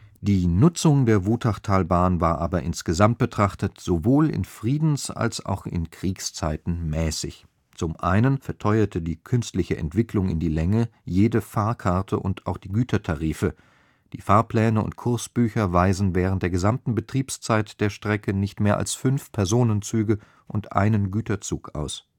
Die Nutzung der Wutachtalbahn war aber insgesamt betrachtet sowohl in Friedens - als auch in Kriegszeiten mäßig. Zum einen verteuerte die künstliche Entwicklung in die Länge jede Fahrkarte und auch die Gütertarife. Die Fahrpläne und Kursbücher weisen während der gesamten Betriebszeit der Strecke nicht mehr als fünf Personenzüge und einen Güterzug aus